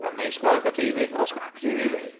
Wel, mae sgwâr Aberteifi... sgwâr Aberteifi boi.